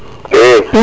i